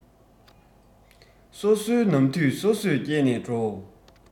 སོ སོའི ནམ དུས སོ སོས བསྐྱལ ནས འགྲོ